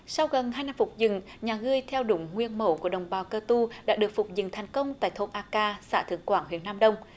sau gần hai năm phục dựng nhà ngươi theo đúng nguyên mẫu của đồng bào cơ tu đã được phục dựng thành công tại thôn a ka xã thượng quảng huyện nam đông